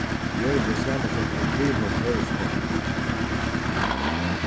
jørðin er samansett av trimum høvuðspørtum